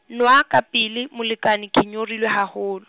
nwa ka pele molekane ke nyorilwe haholo.